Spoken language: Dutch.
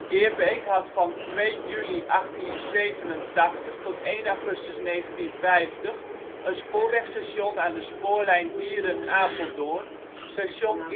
Eerbeek had van 2 juli 1887 tot 1 augustus 1950 een spoorwegstation aan de spoorlijn Dieren - Apeldoorn, Station